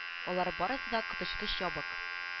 Алар барысы да коточкыч ябык